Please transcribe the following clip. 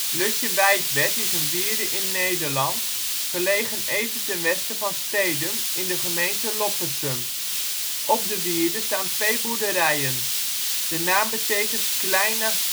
Lutjewijtwerd is een wierde in Nederland, gelegen even ten westen van Stedum in de gemeente Loppersum. Op de wierde staan twee boerderijen. De naam betekent: Kleine